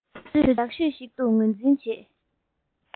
དུས ཚོད ཡག ཤོས ཤིག ཏུ ངོས འཛིན བྱེད